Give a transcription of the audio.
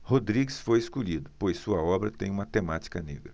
rodrigues foi escolhido pois sua obra tem uma temática negra